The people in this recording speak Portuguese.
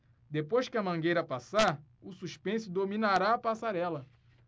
depois que a mangueira passar o suspense dominará a passarela